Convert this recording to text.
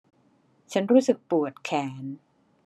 ฉันรู้สึกปวดแขน